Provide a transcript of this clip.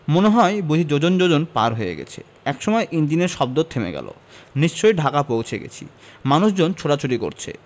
মনে হয় বুঝি যোজন যোজন পার হয়ে গেছে একসময় ইঞ্জিনের শব্দ থেমে গেলো নিশ্চয়ই ঢাকা পৌঁছে গেছি মানুষজন ছোটাছুটি করছে